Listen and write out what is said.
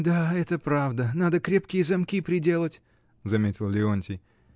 — Да, это правда: надо крепкие замки приделать, — заметил Леонтий.